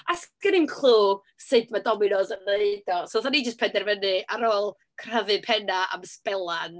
A 'sgen i'm clue sut mae Domino's yn wneud o. So wnaethon ni jysd penderfynu ar ôl crafu pennau am sbelan...